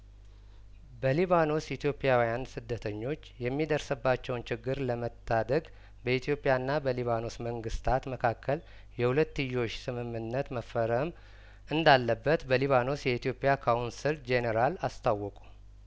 በሊባኖስ ኢትዮጵያውያን ስደተኞች የሚደርስባቸውን ችግር ለመታደግ በኢትዮጵያና በሊባኖስ መንግስታት መካከል የሁለትዮሽ ስምምነት መፈረም እንዳለበት በሊባኖስ የኢትዮጵያ ካውንስል ጄኔራል አስታወቁ